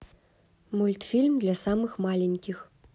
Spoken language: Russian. мультфильм для самых маленьких